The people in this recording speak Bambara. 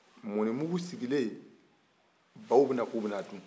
mɔnimugu sigilen baw bɛ na k'u bɛ n'a dun